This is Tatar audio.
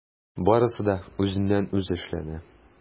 Барысы да үзеннән-үзе эшләнә.